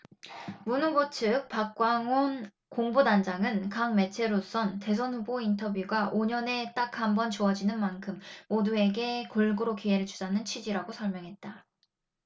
문 후보 측 박광온 공보단장은 각 매체로선 대선 후보 인터뷰가 오 년에 딱 한 번 주어지는 만큼 모두에게 골고루 기회를 주자는 취지라고 설명했다